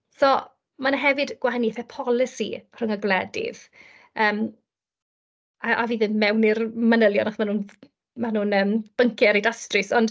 So ma' 'na hefyd gwahaniaethe polisi rhwng y gwledydd, yym a- âf i ddim mewn i'r manylion, achos ma' nhw'n ma' nhw'n yym bynciau reit astrus, ond...